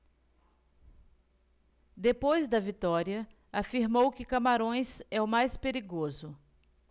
depois da vitória afirmou que camarões é o mais perigoso